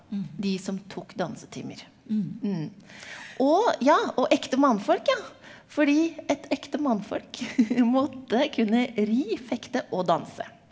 de som tok dansetimer ja og ja og ekte mannfolk ja fordi et ekte mannfolk måtte kunne ri, fekte og danse.